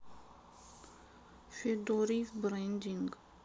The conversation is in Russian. федорив брендинг